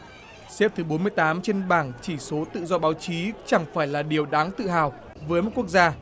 xếp thứ bốn mươi tám trên bảng chỉ số tự do báo chí chẳng phải là điều đáng tự hào với một quốc gia